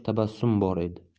tabassum bor edi